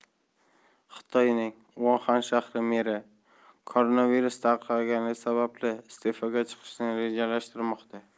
xitoyning uxan shahri meri koronavirus tarqalgani sababli iste'foga chiqishni rejalashtirmoqda